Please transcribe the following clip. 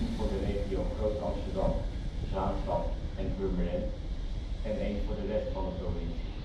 voor de regio Groot-Amsterdam, Zaanstad en Purmerend, en één voor de rest van de provincie